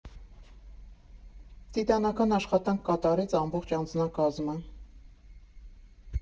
Տիտանական աշխատանք կատարեց ամբողջ անձնակազմը։